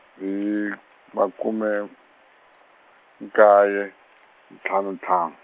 hi, makume, nkaye, ntlhanu ntlhanu.